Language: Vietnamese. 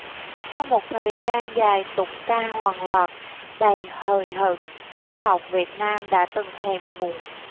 sau một thời gian dài tụng ca hoan lạc đầy hời hợt văn học việt nam đã từng thèm buồn